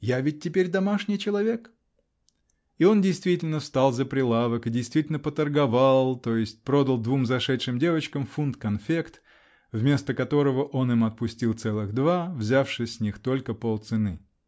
Я ведь теперь домашний человек!" И он действительно стал за прилавок и действительно поторговал, то есть продал двум зашедшим девочкам фунт конфект, вместо которого он им отпустил целых два, взявши с них только полцены.